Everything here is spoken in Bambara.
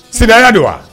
Sinaya don wa